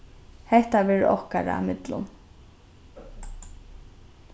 hetta verður okkara millum